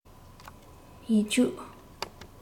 ཡིག རྒྱུགས